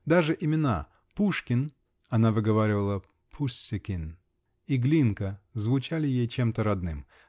Даже имена: Пушкин (она выговаривала: Пуссекин) и Глинка звучали ей чем-то родным.